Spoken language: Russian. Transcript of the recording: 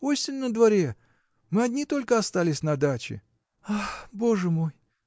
осень на дворе; мы одни только остались на даче. – Ах, боже мой!